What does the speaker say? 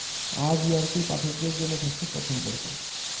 আজ ই আরকির পাঠকদের জন্যে থাকছে প্রথম পর্ব